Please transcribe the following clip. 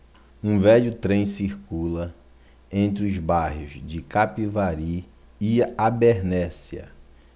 um velho trem circula entre os bairros de capivari e abernéssia